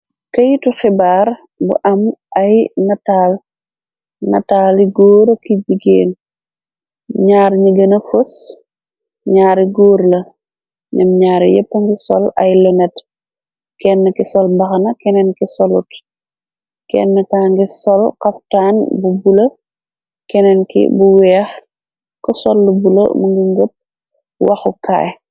Keytu xibaar bu am ay nataali góora ki biggéen ñaar ni gëna fos ñaari góor la ném ñaari yépp ngi sol ay lonet kenn ki sol baxna keneen ki solut kenn ka ngi sol xaftaan bu bula keneen ki bu weex ko soll bula mu ngi ngopp waxu kaay.